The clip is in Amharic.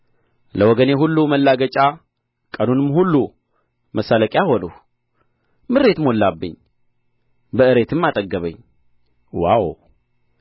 ለወገኔ ሁሉ ማላገጫ ቀኑንም ሁሉ መሳለቂያ ሆንሁ ምሬት ሞላብኝ በእሬትም አጠገበኝ ዋው